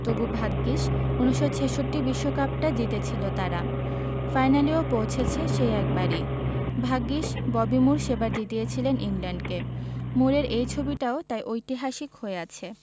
তবু ভাগ্যিস ১৯৬৬ বিশ্বকাপটা জিতেছিল তারা ফাইনালেও পৌঁছেছে সেই একবারই ভাগ্যিস ববি মুর সেবার জিতিয়েছিলেন ইংল্যান্ডকে মুরের এই ছবিটাও তাই ঐতিহাসিক হয়ে আছে